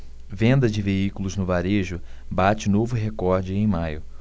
venda de veículos no varejo bate novo recorde em maio